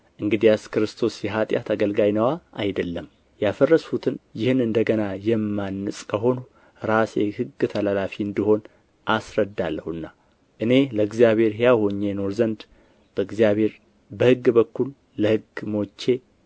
እንግዲያስ ክርስቶስ የኃጢአት አገልጋይ ነዋ አይደለም ያፈረስሁትን ይህን እንደ ገና የማንጽ ከሆንሁ ራሴ ሕግ ተላላፊ እንድሆን አስረዳለሁና እኔ ለእግዚአብሔር ሕያው ሆኜ እኖር ዘንድ በሕግ በኩል ለሕግ ሞቼ